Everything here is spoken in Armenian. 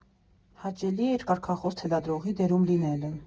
Հաճելի էր կարգախոս թելադրողի դերում լինելը։